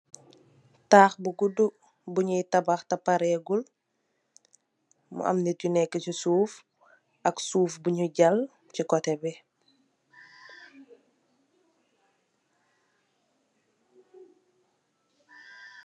Taax bu gudu bu ni tabax tah parehgul mo nitko neh ci soff ak soff bu nu jall ci koteh be.